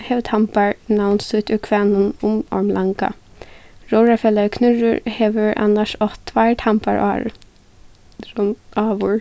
hevur tambar navn sítt úr kvæðinum um ormin langa róðrarfelagið knørrur hevur annars átt tveir tambar áður